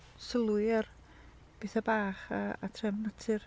Sylwi ar betha bach a a trefn natur.